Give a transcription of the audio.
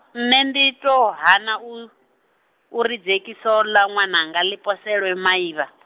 nṋe ndi tou hana u, uri dzekiso ḽa nwananga ḽi poselwe maivha.